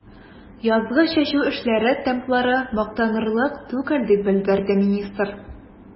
Язгы чәчү эшләре темплары мактанырлык түгел, дип белдерде министр.